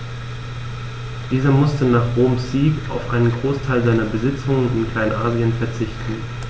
Dieser musste nach Roms Sieg auf einen Großteil seiner Besitzungen in Kleinasien verzichten.